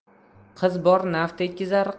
qiz bor naf tekizar